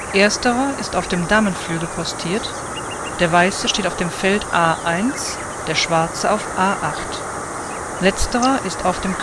Ersterer ist auf dem Damenflügel postiert, der weiße steht auf dem Feld a1, der schwarze auf a8. Letzterer ist auf dem